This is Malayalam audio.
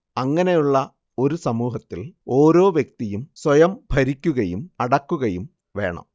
അങ്ങനെയുള്ള ഒരു സമുഹത്തിൽ ഒരോ വ്യക്തിയും സ്വയം ഭരിക്കുകയും അടക്കുകയും വേണം